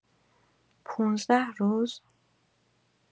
پونزده روز؟